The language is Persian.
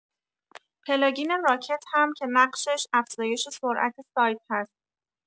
پلاگین راکت هم که نقشش افزایش سرعت سایت هست